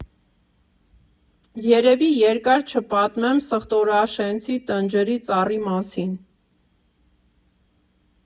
Երևի երկար չպատմեմ Սխտորաշենցի Տնջրի ծառի մասին։